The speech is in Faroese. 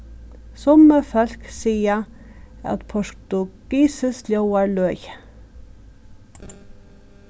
summi fólk siga at portugisiskt ljóðar løgið